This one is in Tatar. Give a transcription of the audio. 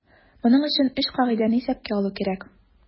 Моның өчен өч кагыйдәне исәпкә алу кирәк.